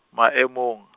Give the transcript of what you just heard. maemong.